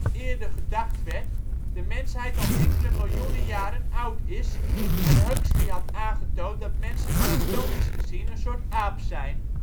eerder gedacht werd, de mensheid al enkele miljoenen jaren oud is; en Huxley had aangetoond dat mensen anatomisch gezien een soort aap zijn